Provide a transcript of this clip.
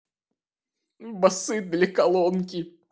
басы для колонки